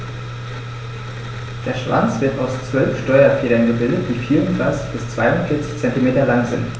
Der Schwanz wird aus 12 Steuerfedern gebildet, die 34 bis 42 cm lang sind.